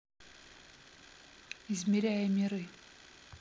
измеряя миры